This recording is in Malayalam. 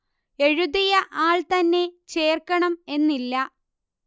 എഴുതിയ ആൾ തന്നെ ചേർക്കണം എന്നില്ല